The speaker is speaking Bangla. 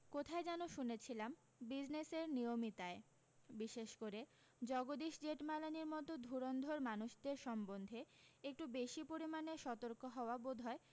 কোথায় যেন শুনেছিলাম বিজনেসের নিয়মি তাই বিশেষ করে জগদীশ জেঠমালানির মতো ধুরন্ধর মানুষদের সম্বন্ধে একটু বেশী পরিমাণে সতর্ক হওয়া বোধহয়